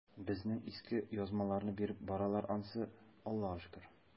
Безнең иске язмаларны биреп баралар ансы, Аллага шөкер.